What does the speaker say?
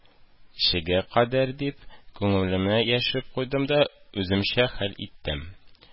Чегә кадәр дип күңелемә яшереп куйдым да үземчә хәл иттем